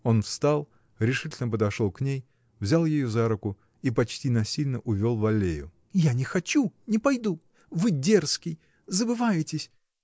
Он встал, решительно подошел к ней, взял ее за руку и почти насильно увел в аллею. — Я не хочу, не пойду. вы дерзкий! забываетесь.